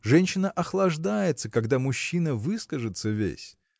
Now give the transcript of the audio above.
женщина охлаждается, когда мужчина выскажется весь.